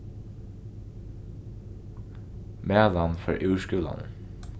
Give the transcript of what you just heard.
malan fór úr skúlanum